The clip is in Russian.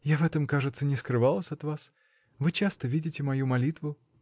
— Я в этом, кажется, не скрывалась от вас: вы часто видите мою молитву.